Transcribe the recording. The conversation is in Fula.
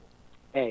eeyi